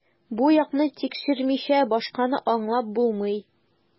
Бу якны тикшермичә, башканы аңлап булмый.